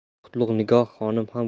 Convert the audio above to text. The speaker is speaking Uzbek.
endi qutlug' nigor xonim